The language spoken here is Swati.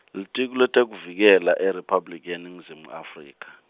Litiko leTekuvikela IRiphabliki, yeNingizimu Afrika.